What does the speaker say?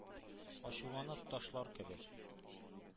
Ачуланып ташлар кебек.